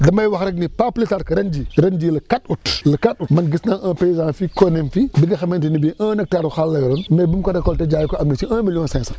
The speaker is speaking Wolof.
damay wax rek ni pas plus tard que ren jii ren jii le quatre août le quatre août man gis naa un paysan :ra si Kooneem fii bi nga xamante ni bii un hectare xaal la yoroon mais bi mu ko récolter jaay ko am na si un million cinq cent